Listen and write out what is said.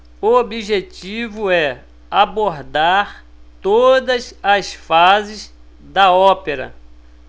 o objetivo é abordar todas as fases da ópera